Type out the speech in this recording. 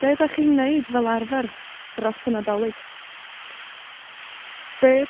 Be' 'dach chi'n neud fel arfer dros y Nadolig? Be'